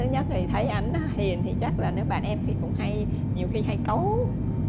thứ nhất thì thấy anh hiền thì chắc là nếu bạn em thì cũng hay nhiều khi hay cáu